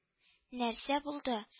— нәрсә булды